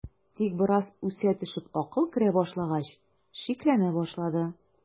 Тик бераз үсә төшеп акыл керә башлагач, шикләнә башлады.